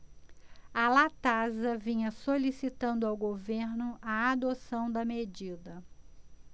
a latasa vinha solicitando ao governo a adoção da medida